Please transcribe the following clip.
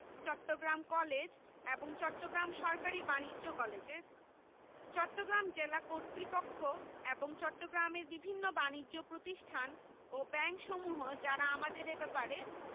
Chittagong college এবং চট্টগ্রাম সরকারি বাণিজ্য কলেজের চট্টগ্রাম জেলা কর্তৃপক্ষ এবং চট্টগ্রামের বিভিন্ন বানিজ্য প্রতিষ্ঠান ও ব্যাংকসমূহ যারা আমাদের এ ব্যাপারে